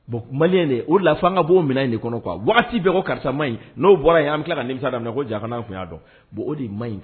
Bon mali o la fo'an ka b'o minɛ in nin kɔnɔ waati bɛɛ ko karisa ma in n'o bɔra ye an bɛ tila kamisa ko jamana tun y'a dɔn bon o de ma ɲi